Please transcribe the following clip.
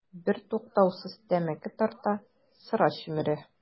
Бертуктаусыз тәмәке тарта, сыра чөмерә.